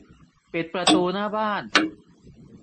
ปิดประตูหน้าบ้าน